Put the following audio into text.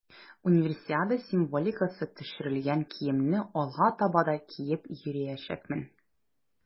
Универсиада символикасы төшерелгән киемне алга таба да киеп йөриячәкмен.